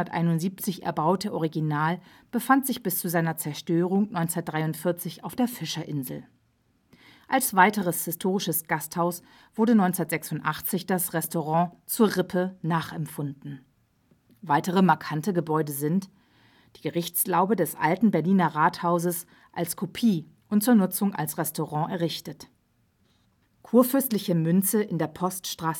1571 erbaute Original befand sich bis zu seiner Zerstörung 1943 auf der Fischerinsel. Als weiteres historisches Gasthaus wurde 1986 das Restaurant Zur Rippe nachempfunden. Weitere markante Gebäude sind: Gerichtslaube des alten Berliner Rathauses als Kopie und zur Nutzung als Restaurant errichtet Kurfürstliche Münze in der Poststraße